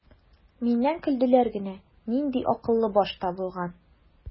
Миннән көлделәр генә: "Нинди акыллы баш табылган!"